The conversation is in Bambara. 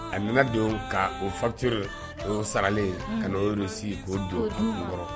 A nana don ka ofat oo saralen ka'o y sigi oo don dugukɔrɔ